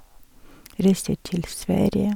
Reiser til Sverige.